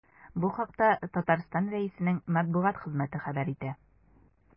Бу хакта Татарстан Рәисенең матбугат хезмәте хәбәр итә.